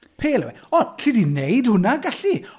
Pêl yw e. O, alli di wneud hwnna, galli.